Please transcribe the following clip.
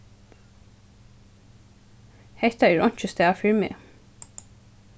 hetta er einki stað fyri meg